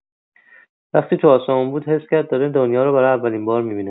وقتی تو آسمون بود، حس کرد داره دنیا رو برای اولین بار می‌بینه.